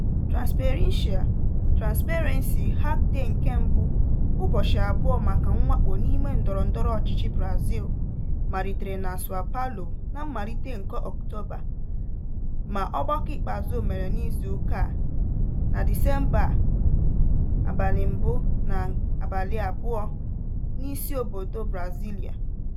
Transparência [Transparency] Hackday nke mbụ, "ụbọchị abụọ maka mwakpo n'ime ndọrọndọrọ ọchịchị Brazil", malitere na São Paulo na mmalite nke Ọktoba, ma ọgbakọ ikpeazụ mere n'izuụka a, na Disemba 1 na 2, n'isiobodo Brasília [pt. ].